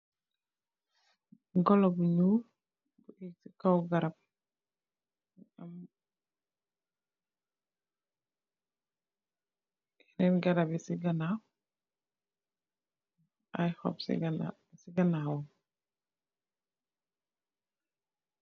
Golo bu ñuul , kaw garap. Ay garap yin ci ganaw wam, ay kop ñiñ ci ganaw.